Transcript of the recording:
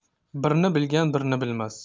birni bilgan birni bilmas